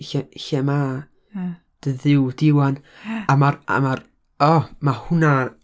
Ll- lle ma' dy Dduw di ŵan? A ma'r, a ma'r, o, ma' hwnna'n...